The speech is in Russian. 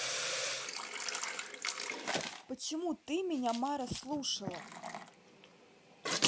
почему ты меня мара слушала